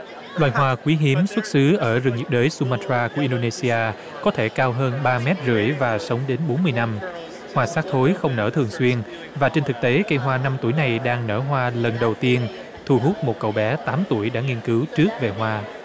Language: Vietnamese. loài hoa quý hiếm xuất xứ ở rừng nhiệt đới su ma tra của in đo nê xi a có thể cao hơn ba mét rưỡi và sống đến bốn mươi năm hoa xác thối không nở thường xuyên và trên thực tế kỳ hoa năm tuổi này đang nở hoa lần đầu tiên thu hút một cậu bé tám tuổi đã nghiên cứu trước về hoa